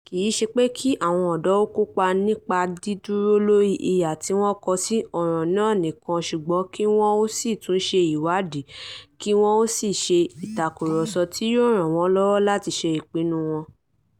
Kìí se pé kí àwọn ọ̀dọ́ ó kópa nípa dídúró lórí ìhà tí wọ́n kọ sí ọ̀ràn náà nìkan, ṣùgbọ́n kí wọn ó tún ṣe ìwádìí kí wọn ó sì ṣe ìtàkurọ̀sọ̀ tí yóò ràn wọ́n lọ́wọ́ láti ṣe ìpinnu wọn.